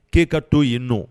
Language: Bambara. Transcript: K'e ka to' yen n nɔo